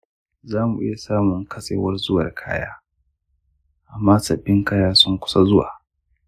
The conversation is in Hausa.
za mu iya samun katsewar zuwan kaya, amma sabbin kaya sun kusa zuwa.